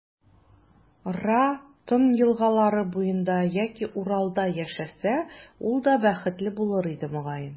Ра, Тын елгалары буенда яки Уралда яшәсә, ул да бәхетле булыр иде, мөгаен.